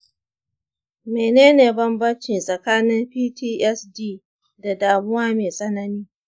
menene bambanci tsakanin ptsd da damuwa mai tsanani?